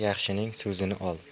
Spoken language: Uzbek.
yaxshining so'zini ol